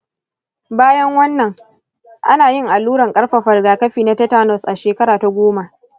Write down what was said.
bayan wannan, ana yin alluran ƙarfafa rigakafi na tetanus a shekara ta goma.